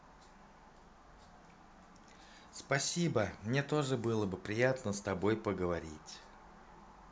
спасибо мне тоже было приятно с тобой поговорить